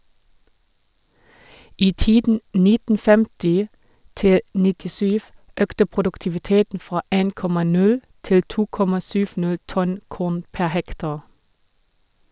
I tiden 1950 - 97 økte produktiviteten fra 1,0 til 2,70 tonn korn pr. hektar.